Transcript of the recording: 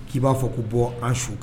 K'i b'a fɔ ko bɔ an su kan